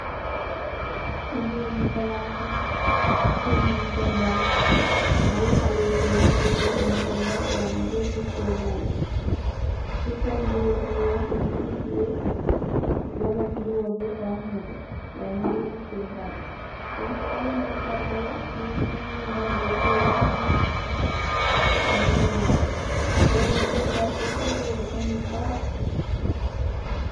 Fii barami joganta bal ngair gorr nu gi tiwanta senn Mbuba bi nu gi hajuwata bal bi